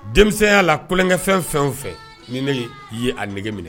Denmisɛnw yala kulonnkɛfɛn fɛn o fɛn ni ne ye a nege minɛ